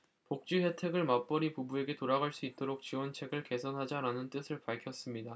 복지혜택을 맞벌이 부부에게 돌아갈 수 있도록 지원책을 개선하자 라는 뜻을 밝혔습니다